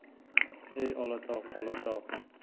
ey olatog' olatog'